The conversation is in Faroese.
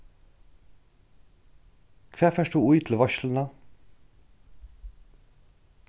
hvat fert tú í til veitsluna